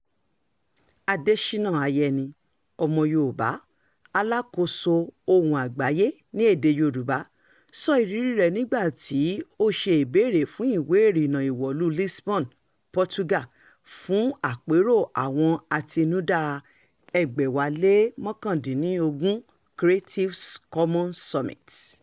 Adéṣínà Ayẹni (Ọmọ Yoòbá), alákòóso Ohùn Àgbáyé ní èdèe Yorùbá, sọ ìríríi rẹ̀ nígbà tí ó ṣe ìbéèrè fún ìwé ìrìnnà ìwọ̀lúu Lisbon, Portugal, fún àpéròo àwọn alátinúdá 2019 Creative Commons Summit: